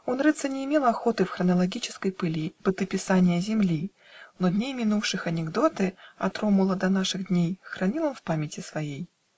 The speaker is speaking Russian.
Он рыться не имел охоты В хронологической пыли Бытописания земли: Но дней минувших анекдоты От Ромула до наших дней Хранил он в памяти своей.